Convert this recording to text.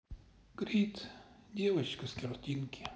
крид девочка с картинки